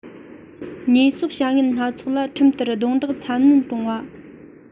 ཉེས གསོག བྱ ངན སྣ ཚོགས ལ ཁྲིམས ལྟར རྡུང རྡེག ཚ ནན གཏོང བ